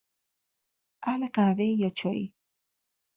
اهل قهوه‌ای یا چای؟